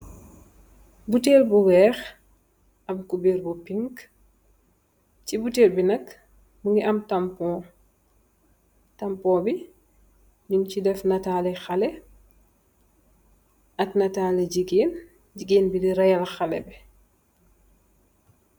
Botal bu weex am cuber bu pink si botal bi nak mogi am tambo tambo bi nyun si def netali xale ak netali jigeen jigeen bi di reeyal xale bi.